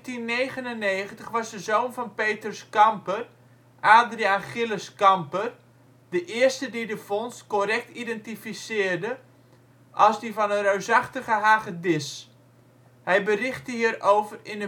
In 1799 was de zoon van Petrus Camper, Adriaan Gilles Camper, de eerste die de vondst correct identificeerde als die van een reusachtige hagedis; hij berichtte hierover in